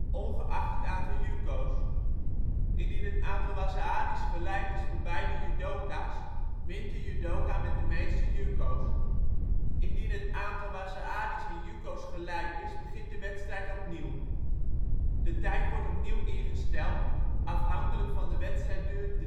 ongeacht het aantal yuko 's indien het aantal waza-ari 's gelijk is voor beide judoka 's, wint de judoka met de meeste yuko 's indien het aantal waza-ari 's en yuko 's gelijk is, begint de wedstrijd opnieuw. De tijd wordt opnieuw ingesteld (afhankelijk van de wedstrijdduur